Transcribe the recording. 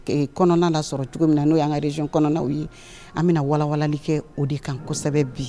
Kɔnɔna la sɔrɔ cogo min na n'o yangarez kɔnɔnaw ye an bɛna wawali kɛ o de kan kosɛbɛ bi